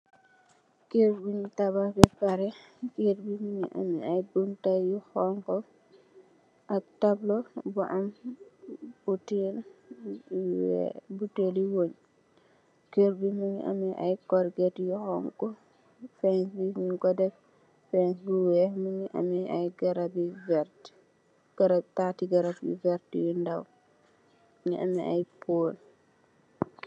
Kerr bungh tabakh beh pareh, kerr bii mungy ameh aiiy bunta yu honhu, ak tableau bu am butehll yi wehh butehli weungh, kerr bii mungy ameh aiiy corrgate yu honhu, fence bii njung kor deff fence bu wekh, mungy ameh aiiy garab yu vertue, garab taarti garab yu vertue yu ndaw, mungy ameh aiiy pol.